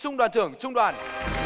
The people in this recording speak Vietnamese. trung đoàn trưởng trung đoàn